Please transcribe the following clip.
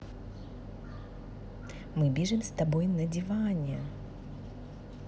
мы бежим с тобой на диване